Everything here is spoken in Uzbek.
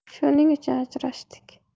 shuning uchun ajrashdik